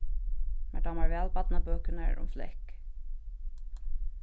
mær dámar væl barnabøkurnar um flekk